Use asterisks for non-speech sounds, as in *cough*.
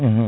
*hesitation* *hesitation*